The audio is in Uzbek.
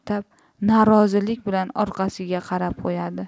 norozilik bilan orqasiga qarab qo'yadi